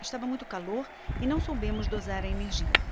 estava muito calor e não soubemos dosar a energia